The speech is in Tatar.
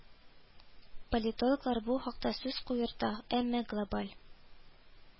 Политологлар бу хакта сүз куерта, әмма глобаль